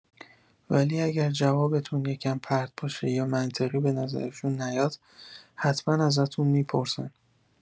ولی اگر جوابتون یکم پرت باشه یا منطقی بنظرشون نیاد حتما ازتون می‌پرسن